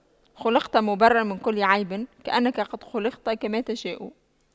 خلقت مُبَرَّأً من كل عيب كأنك قد خُلقْتَ كما تشاء